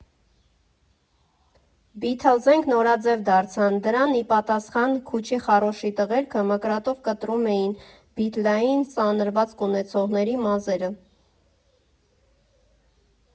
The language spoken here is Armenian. «Բիթլզենք» նորաձև դարձան, դրան ի պատասխան՝ քուչի «խառոշի» տղերքը մկրատով կտրում էին բիթլային սանրվածք ունեցողների մազերը։